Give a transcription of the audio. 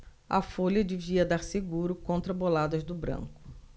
a folha devia dar seguro contra boladas do branco